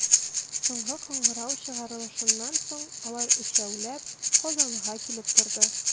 Соңгы кыңгырау чыгарылышыннан соң, алар, өчәүләп, Казанга килеп торды.